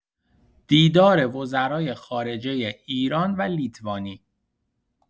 دیدار وزرای خارجه ایران و لیتوانی